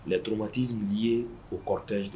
Ttomatisib ye o kɔrɔkɛ ye